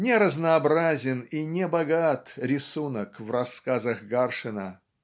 Не разнообразен и не богат рисунок в рассказах Гаршина.